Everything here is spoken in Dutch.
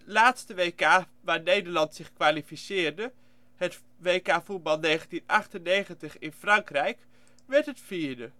laatste WK waar Nederland zich kwalificeerde, het WK voetbal 1998 in Frankrijk, werd het vierde